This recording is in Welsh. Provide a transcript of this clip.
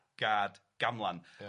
Gad Gamlan... Ia...